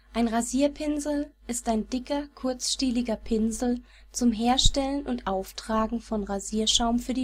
Ein Rasierpinsel ist ein dicker, kurzstieliger Pinsel zum Herstellen und Auftragen von Rasierschaum für